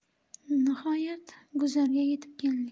nihoyat guzarga yetib keldik